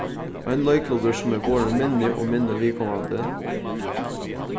ein leiklutur sum er vorðin minni og minni viðkomandi